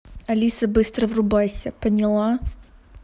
алиса быстро врубайся поняла